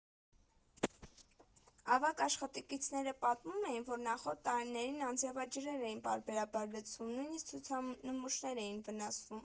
Ավագ աշխատակիցները պատմում էին, որ նախորդ տարիներին անձրևաջրերն էին պարբերաբար լցվում, նույնիսկ ցուցանմուշներն էին վնասվում։